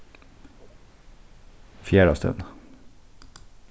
fjarðastevna